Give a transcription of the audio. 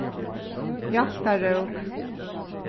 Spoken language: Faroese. hjaltarók